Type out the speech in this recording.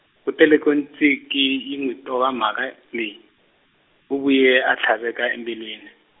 kute loko Tsinkie yi n'wi tova mhaka leyi, u vuye a tlhaveka embilwini.